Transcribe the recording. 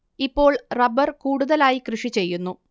ഇപ്പോൾ റബ്ബർ കൂടുതലായി കൃഷി ചെയ്യുന്നു